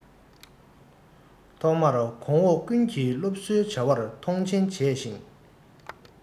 ཐོག མར གོང འོག ཀུན གྱིས སློབ གསོའི བྱ བར མཐོང ཆེན བྱས ཤིང